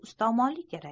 ustomonlik kerak